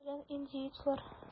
Мәсәлән, индеецлар.